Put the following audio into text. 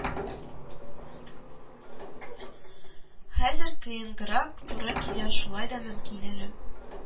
Хәзер кыенгарак туры килә, шулай да мөмкин әле